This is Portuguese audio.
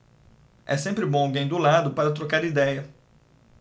é sempre bom alguém do lado para trocar idéia